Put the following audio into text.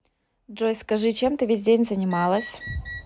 джой скажи чем ты весь день занималась